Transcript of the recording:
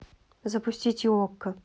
запустите окко